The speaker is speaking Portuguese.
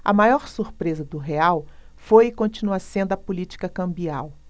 a maior surpresa do real foi e continua sendo a política cambial